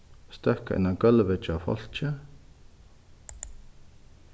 støkka inn á gólv hjá fólki